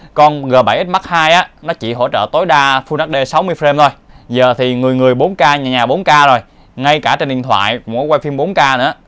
con g x mark ii nó chỉ hỗ trợ tối đa fullhd frames thôi giờ thì người người k nhà nhà k rồi ngay cả trên điện thoại cũng có quay phim k nữa